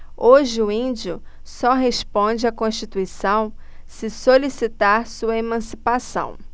hoje o índio só responde à constituição se solicitar sua emancipação